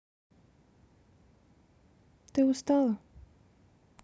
ты устала